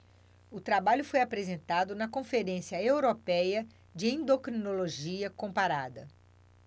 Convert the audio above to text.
o trabalho foi apresentado na conferência européia de endocrinologia comparada